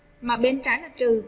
mà bên trái là trời